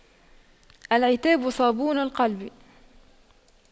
العتاب صابون القلب